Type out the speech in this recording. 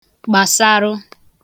gbàsarụ